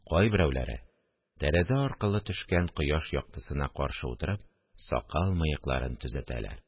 Кайберәүләре, тәрәзә аркылы төшкән кояш яктысына каршы утырып, сакал-мыекларын төзәтәләр